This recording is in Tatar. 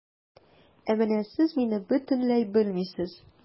Ә менә сез мине бөтенләй белмисез.